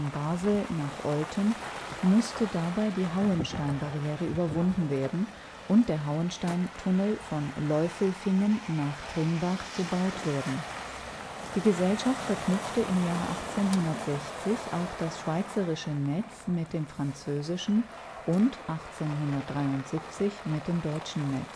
Basel nach Olten musste dabei die Hauensteinbarriere überwunden werden und den Hauensteintunnel von Läufelfingen nach Trimbach gebaut werden. Die Gesellschaft verknüpfte im 1860 auch das schweizerische Netz mit dem französischen und 1873 mit dem deutschen